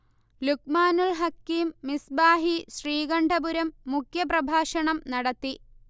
ലുഖ്മാനുൽ ഹക്കീം മിസ്ബാഹി ശ്രീകണ്ഠപുരം മുഖ്യ പ്രഭാഷണം നടത്തി